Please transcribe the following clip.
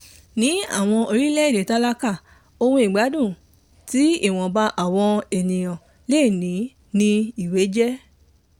Ní àwọn orílẹ̀-èdè tálákà, ohun ìgbádùn tí ìwọ̀nba àwọn èèyàn lè ní ni ìwé jẹ́.